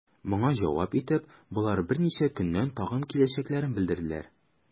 Моңа җавап итеп, болар берничә көннән тагын киләчәкләрен белдерделәр.